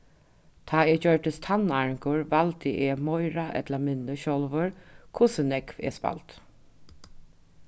tá eg gjørdist tannáringur valdi eg meira ella minni sjálvur hvussu nógv eg spældi